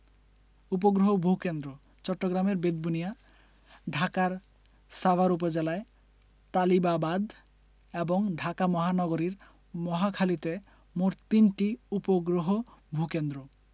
উপগ্রহ ভূ কেন্দ্রঃ চট্টগ্রামের বেতবুনিয়া ঢাকার সাভার উপজেলায় তালিবাবাদ এবং ঢাকা মহানগরীর মহাখালীতে মোট তিনটি উপগ্রহ ভূ কেন্দ্র